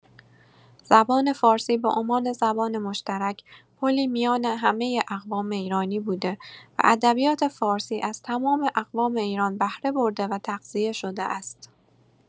زبان فارسی به عنوان زبان مشترک، پلی میان همه اقوام ایرانی بوده و ادبیات فارسی از تمام اقوام ایران بهره برده و تغذیه شده است.